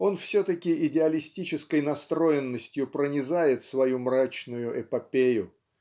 он все-таки идеалистической настроенностью пронизает свою мрачную эпопею